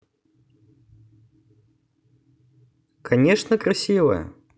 конечно красивая